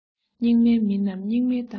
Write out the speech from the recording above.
སྙིགས མའི མི རྣམས སྙིགས མའི གཏམ ལ དགའ